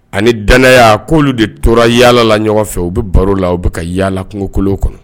Ani danya ko'olu de tora yaala ɲɔgɔn fɛ u bɛ baro la u bɛ ka yaala kungokolon kɔnɔ